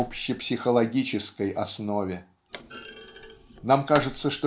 общепсихологической основе. Нам кажется